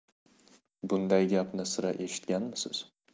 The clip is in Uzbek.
bunday gapni sira eshitganmisiz